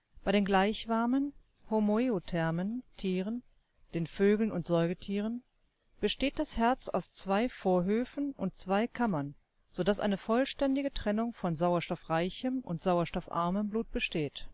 Bei den gleichwarmen (homoiothermen) Tieren, den Vögeln und Säugetieren, besteht das Herz aus zwei Vorhöfen und zwei Kammern, so dass eine vollständige Trennung von sauerstoffreichem und sauerstoffarmem Blut besteht